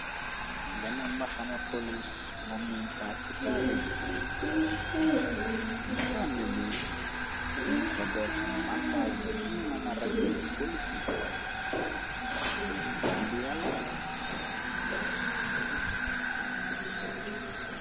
Bennam maxana polis moomneen tàac ci taabul bi maxana bi ñing fa def màndarga buni mëna rañee polis yi polisi gam bi yala.